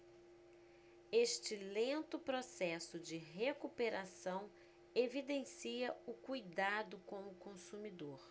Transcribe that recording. este lento processo de recuperação evidencia o cuidado com o consumidor